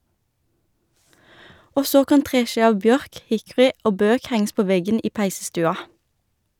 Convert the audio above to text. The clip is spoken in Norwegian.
Og så kan treski av bjørk, hickory og bøk henges på veggen i peisestua.